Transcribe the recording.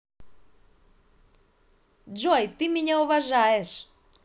джой ты меня уважаешь